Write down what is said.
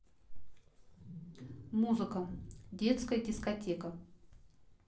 музыка детская дискотека